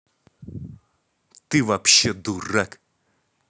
ты вообще дурак